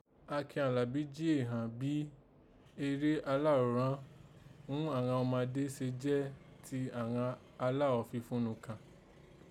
Akin Àlàbí jí éè ghàn bí eré alághòrán ghún àghan ọmadé se jẹ́ ti àghan alághọ̀ fifun nùkàn